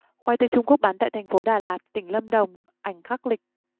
khoai tây trung quốc bán tại thành phố đà lạt tỉnh lâm đồng ảnh khắc lịch